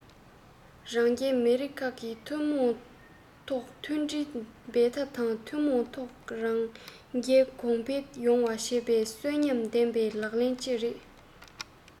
རང རྒྱལ མི རིགས ཁག གིས ཐུན མོང ཐོག མཐུན སྒྲིལ འབད འཐབ དང ཐུན མོང ཐོག དར རྒྱས གོང འཕེལ ཡོང བ བྱེད པའི གསོན ཉམས ལྡན པའི ལག ལེན བཅས རེད